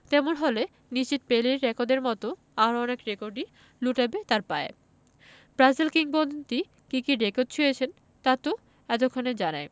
তেমন হলে নিশ্চিত পেলের রেকর্ডের মতো আরও অনেক রেকর্ড লুটাবে তাঁর পায়ে ব্রাজিল কিংবদন্তির কী কী রেকর্ড ছুঁয়েছেন তা তো এতক্ষণে জানাই